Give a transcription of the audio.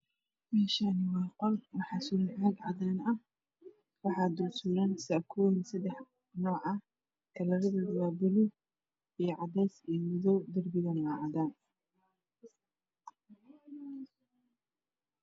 Meshan waa qol waxa suran caag cadan ah waxa dulsuran sakoyin sedx nuuc ah kalardoda waa baluug io cades io madow darbigan waa cadan